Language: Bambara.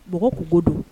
Mɔgɔ kunko don